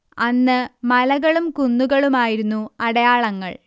അന്ന് മലകളും കുന്നുകളുമായിരുന്നു അടയാളങ്ങൾ